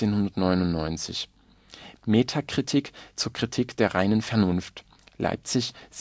1799, 5 Sammlungen. Metakritik zur Kritik der reinen Vernunft, Leipzig